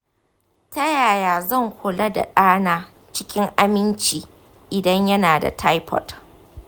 ta yaya zan kula da ɗana cikin aminci idan yana da taifoid?